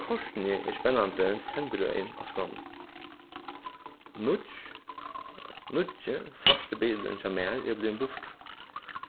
kortini er spennandi sendirøðin á skránni nýggj nýggi svarti bilurin hjá mær er blivin burtur